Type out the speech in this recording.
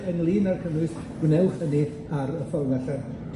###ynglŷn â'r cynnwys, gwnewch hynny ar y ffordd allan.